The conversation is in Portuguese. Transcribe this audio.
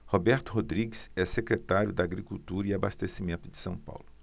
roberto rodrigues é secretário da agricultura e abastecimento de são paulo